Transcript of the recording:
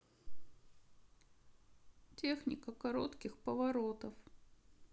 техника коротких поворотов